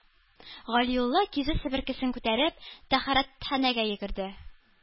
Галиулла кизү, себеркесен күтәреп, тәһарәтханәгә йөгерде.